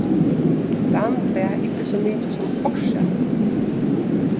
dan bað ikki so mikið sum orsaka